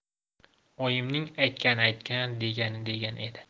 oyimning aytgani aytgan degani degan edi